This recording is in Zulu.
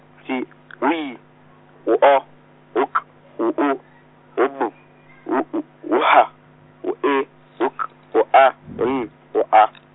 si- Y, u O, u K , u O , u B, u -o u H, u E , u K, u A, u Y, u A.